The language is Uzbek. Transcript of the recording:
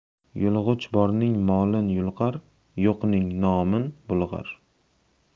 yulg'ich borning molin yulqar yo'qning nomin bulg'ar